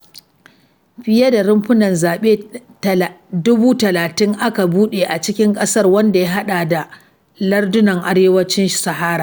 Fiye da rumfunan zaɓe 30.000 aka buɗe a faɗin ƙasar, wanda ya haɗa da lardunan Arewacin Sahara.